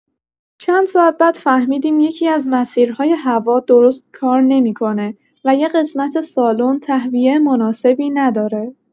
چند ساعت بعد فهمیدیم یکی‌از مسیرهای هوا درست‌کار نمی‌کنه و یه قسمت سالن تهویه مناسبی نداره.